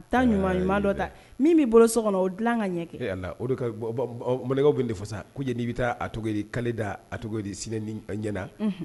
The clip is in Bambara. Taa ɲuman ɲuman dɔ ta min bɛ i bolo so kɔnɔ o dilan ka ɲɛ kɛ, e Allah o de ka , manikaw bɛ nin de fɔ sa, ko yan'i k'a taa, a tɔgɔ ye di kale da, a tɔgɔ ye di sinɛni yɛn na